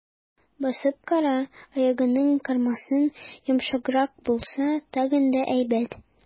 Басып кара, аягыңны кырмасын, йомшаграк булса, тагын да әйбәт.